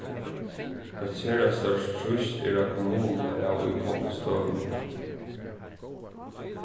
eitt sera stórt trýst er á kommununi av íkomnu støðuni